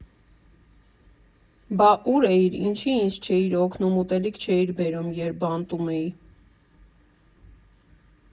Բա ու՞ր էիր, ինչի՞ ինձ չէիր օգնում, ուտելիք չէիր բերում, երբ բանտում էի։